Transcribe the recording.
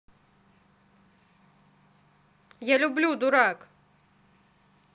я люблю дурак